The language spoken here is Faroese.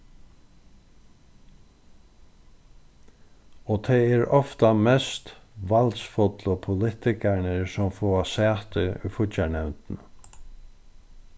og tað eru ofta mest valdsfullu politikararnir sum fáa sæti í fíggjarnevndini